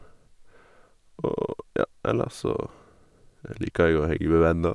Og, ja, eller så liker jeg å henge med venner.